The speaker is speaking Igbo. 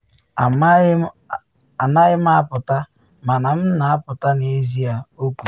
Anaghị m apụta, mana m na apụta n’ezie,” o kwuru.